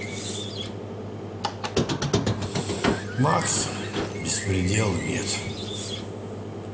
макс беспределу нет